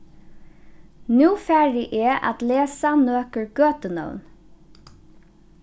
nú fari eg at lesa nøkur gøtunøvn